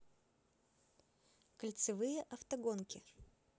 кольцевые автогонки